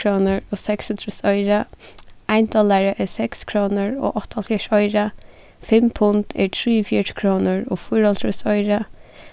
krónur og seksogtrýss oyru ein dollari er seks krónur og áttaoghálvfjerðs oyru fimm pund er trýogfjøruti krónur og fýraoghálvtrýss oyru